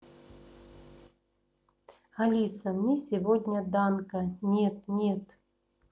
алиса мне сегодня данко нет нет